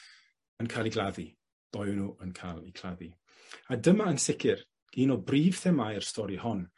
yn ca'l 'u gladdu. Dou o nw yn ca'l 'u claddu. A dyma yn sicir un o brif themâu'r stori hon.